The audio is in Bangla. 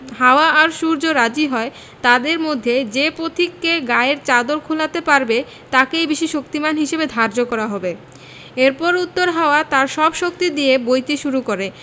হাওয়া আর সূর্য রাজি হয় তাদের মধ্যে যে পথিকে গায়ের চাদর খোলাতে পারবে তাকেই বেশি শক্তিমান হিসেবে ধার্য করা হবে এরপর উত্তর হাওয়া তার সব শক্তি দিয়ে বইতে শুরু করে